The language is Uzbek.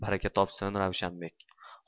baraka topsin ravshanbek